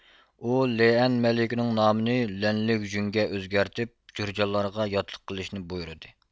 ئۇ لېئەن مەلىكىنىڭ نامىنى لەنلىگجۈنگە ئۆزگەرتىپ جورجانلارغا ياتلىق قىلىشنى بۇيرىدى